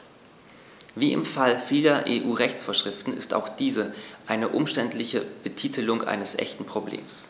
Wie im Fall vieler EU-Rechtsvorschriften ist auch dies eine umständliche Betitelung eines echten Problems.